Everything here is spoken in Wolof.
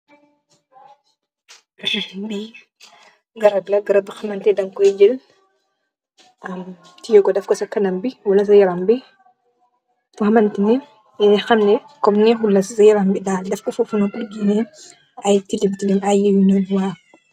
Lii garab la, garab bor hamanteh dankoi jeul ahm tiyeh kor defkor sa kanam bii wohla sa yaram bii, for hamanti nii mungy hamneh kom nehut la cii sa yaram bii daal def kor fofu nonu pur gehneh aiiy tilim tilim aiiy yohyu nonu waw.